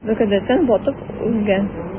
Мөкаддәс батып үлгән!